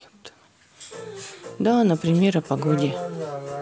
да например о погоде